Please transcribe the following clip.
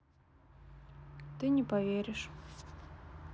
ты не поверишь